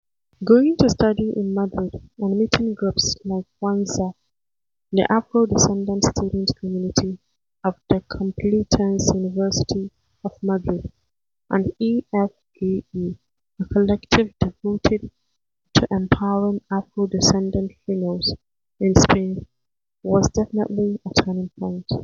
Going to study in Madrid and meeting groups like Kwanzza [the afro-descendant student community of the Complutense University of Madrid] and E.F.A.E [A collective devoted to ‘empowering afro-descendant females’ in Spain] was definitely a turning point.